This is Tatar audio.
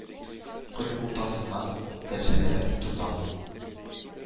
Кыш уртасыннан кәлшәләрен утыртабыз.